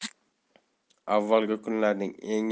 avvalgi kunlarning eng